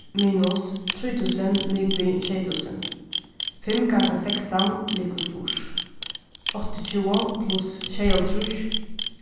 minus trý túsund ligvið sjey túsund fimm ganga sekstan ligvið fýrs áttaogtjúgu pluss sjeyoghálvtrýss